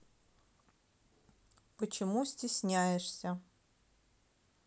почему стесняешься